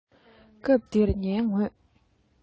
སྐབས དེར ངའི ངོས